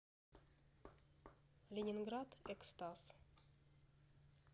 ленинград экстаз